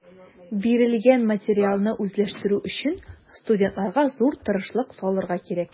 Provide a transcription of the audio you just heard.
Бирелгән материалны үзләштерү өчен студентларга зур тырышлык салырга кирәк.